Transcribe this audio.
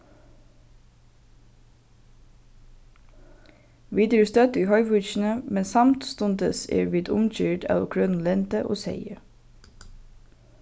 vit eru stødd í hoyvíkini men samstundis eru vit umgyrd av grønum lendi og seyði